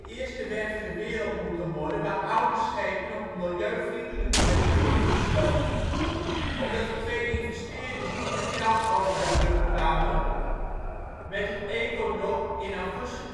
eerste werf ter wereld moeten worden waar oude schepen op een milieuvriendelijke manier worden gesloopt. Omdat de twee investeerders niet met geld over de brug kwamen werd het ecodock in augustus